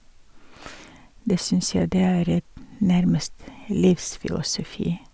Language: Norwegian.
Det syns jeg det er et nærmest livsfilosofi.